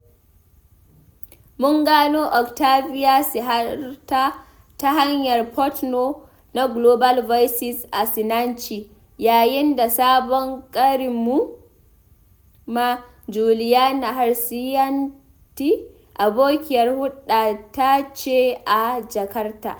Mun gano Oktavia Sidharta ta hanyar Portnoy na Global Voices a Sinanci, yayin da sabon ƙarinmu ma, Juliana Harsianti, abokiyar hulɗata ce a Jakarta.